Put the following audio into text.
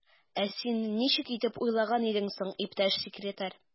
Ә син ничек дип уйлаган идең соң, иптәш секретарь?